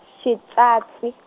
xitswatsi.